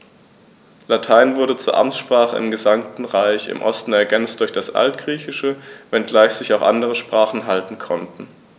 Latein wurde zur Amtssprache im gesamten Reich (im Osten ergänzt durch das Altgriechische), wenngleich sich auch andere Sprachen halten konnten.